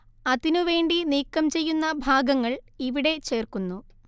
അതിനു വേണ്ടി നീക്കം ചെയ്യുന്ന ഭാഗങ്ങൾ ഇവിടെ ചേർക്കുന്നു